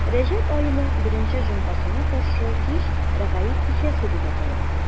Рәҗәб аеның беренче җомгасына каршы кич Рәгаиб кичәсе дип атала.